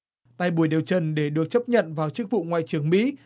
tại buổi điều trần để được chấp nhận vào chức vụ ngoại trưởng mỹ